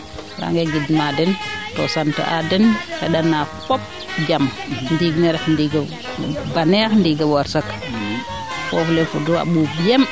raangeer na gidmaa den to sant aa den xenda naa fop jam ndiing ne ref ndiing baneex ndigo wersek foof le fudu a ɓuuɓ yem